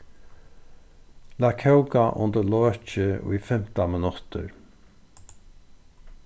lat kóka undir loki í fimtan minuttir